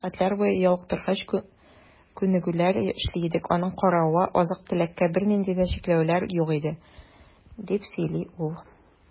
Без сәгатьләр буе ялыктыргыч күнегүләр эшли идек, аның каравы, азык-төлеккә бернинди дә чикләүләр юк иде, - дип сөйли ул.